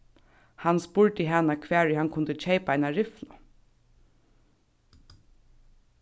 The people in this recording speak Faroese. hann spurdi hana hvar ið hann kundi keypa eina riflu